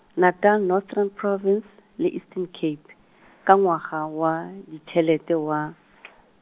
Natal Northern Province, le Eastern Cape , ka ngwaga wa, ditšhelete wa .